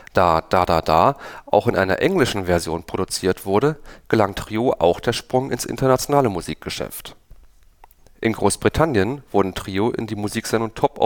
Da „ Da da da “auch in einer englischen Version produziert wurde, gelang Trio auch der Sprung ins internationale Musikgeschäft. In Großbritannien wurden Trio in die Musiksendung „ Top